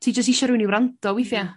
Ti jys isia rywun i wrando withia'.